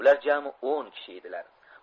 ular jami o'n kishi edilar